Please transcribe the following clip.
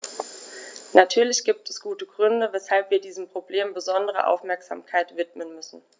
Natürlich gibt es gute Gründe, weshalb wir diesem Problem besondere Aufmerksamkeit widmen müssen.